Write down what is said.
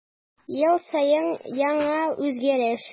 Ел саен яңа үзгәреш.